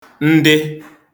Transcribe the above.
ndị